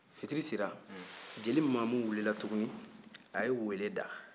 fitiri sera jeli mamu wulila tuguni a ye weele da